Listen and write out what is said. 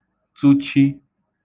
tụchi